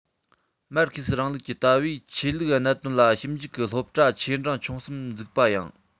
མར ཁེ སིའི རིང ལུགས ཀྱི ལྟ བས ཆོས ལུགས གནད དོན ལ ཞིབ འཇུག གི སློབ གྲྭ ཆེ འབྲིང ཆུང གསུམ འཛུགས པ ཡང